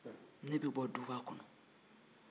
ne bɛ bɔ duba kɔnɔ